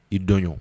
I dɔnɔn